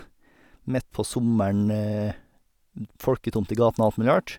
Midt på sommeren, folketomt i gatene, alt mulig rart.